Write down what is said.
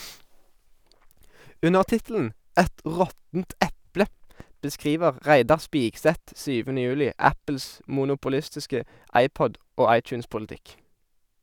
Under tittelen "Et råttent eple" beskriver Reidar Spigseth 7. juli Apples monopolistiske iPod- og iTunes-politikk.